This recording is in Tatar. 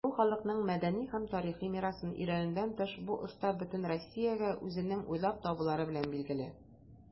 Үз халкының мәдәни һәм тарихи мирасын өйрәнүдән тыш, бу оста бөтен Россиягә үзенең уйлап табулары белән билгеле.